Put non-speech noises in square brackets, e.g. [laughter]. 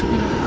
[hesitation] [noise]